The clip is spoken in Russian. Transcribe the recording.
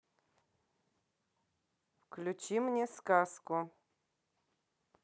включи мне сказку